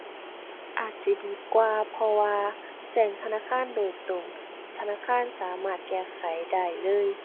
อาจสิดีกว่า เพราะว่าแจ้งธนาคารโดยตรง ธนาคารสามารถแก้ไขได้เลย